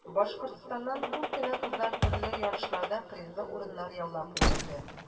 Башкортстаннан күп кенә кызлар төрле ярышларда призлы урыннар яулап өлгерде.